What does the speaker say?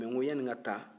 mɛ n ko yani n ka taa